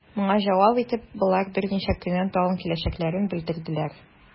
Моңа җавап итеп, болар берничә көннән тагын киләчәкләрен белдерделәр.